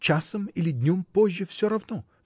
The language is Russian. часом или днем позже — всё равно.